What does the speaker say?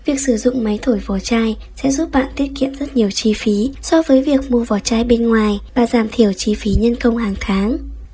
việc sử dụng máy thổi vỏ chai sẽ giúp bạn tiết kiệm rất nhiều chi phí so với việc mua vỏ chai bên ngoài và giảm thiểu chi phí nhân công hàng tháng